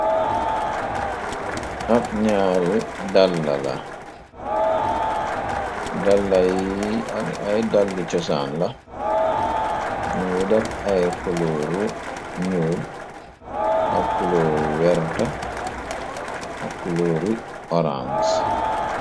Ab ñaari dala la, daala yi ay dalli cosaan la, ñuy def ay kulooru nuul, ak kulooru werta, ak culoori oraans.